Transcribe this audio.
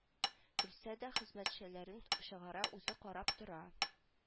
Көлсә дә хезмәтчеләрен чыгара үзе карап тора